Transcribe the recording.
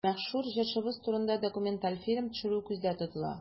Мәшһүр җырчыбыз турында документаль фильм төшерү күздә тотыла.